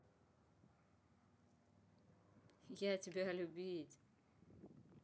а тебя любить